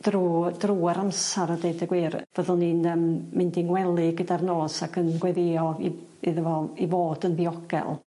Drw drw yr amsar a deud y gwir fyddwn i'n yym mynd i'n ngwely gyda'r nos ac yn gweddio i- iddo fo i fod yn ddiogel.